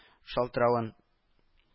Шалтыравын